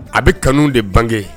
A bɛ kanu de bange